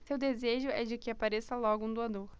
seu desejo é de que apareça logo um doador